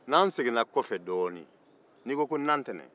n'an seginna kɔfɛ dɔɔnin n'i ko ko nantɛnɛn